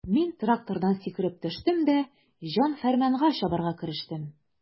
Мин трактордан сикереп төштем дә җан-фәрманга чабарга керештем.